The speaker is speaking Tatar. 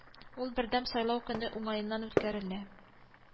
Ул бердәм сайлау көне уңаеннан үткәрелә